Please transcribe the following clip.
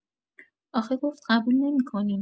آخه گفت قبول نمی‌کنیم